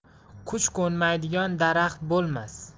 qush qo'nmaydigan daraxt bo'lmas